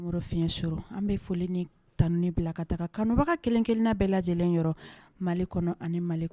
Fiɲɛyɛn suru . An bɛ foli ni tanu ni bila ka taga kanubaga kelen-kelenna bɛɛ lajɛlen mali kɔnɔ ani mali